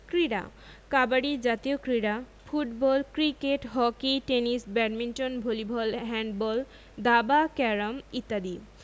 ক্রীড়াঃ কাবাডি জাতীয় ক্রীড়া football cricket hockey tennis badminton volleyball handball দাবা ক্যারম ইত্যাদি